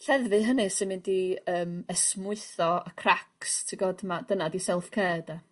lleddfu hynny sy'n mynd i yym esmwytho y cracks ti g'od ma' dyna 'di seff care 'de?